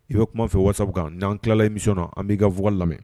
I bɛ kuma fɛ waaso kan n'an tilalamiɔn an b'i kaug lamɛn